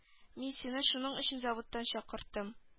Мин сине шуның өчен заводтан чакырттым